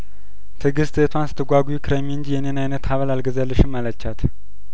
ትግስት እህቷን ስትጓጉ ክረሚ እንጂ የኔን አይነት ሀብል አልገዛልሽም አለቻት